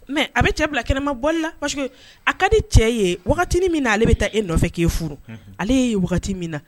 Mɛ a bɛ cɛ bila kɛnɛma bɔli la a ka di cɛ ye wagati min na ale bɛ taa e nɔfɛ k'e furu ale wagati min na